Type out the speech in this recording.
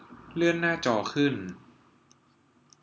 เลื่อนหน้าจอขึ้น